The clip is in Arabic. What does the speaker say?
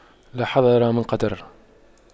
لا حذر من قدر